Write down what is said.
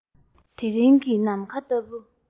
དེ རིང གི ནམ མཁའ ལྟ བུ